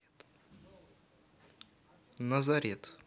назарет